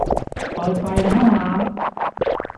เปิดไฟในห้องน้ำ